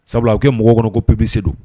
Sabula a bi kɛ mɔgɔw kɔnɔ ko publicité don.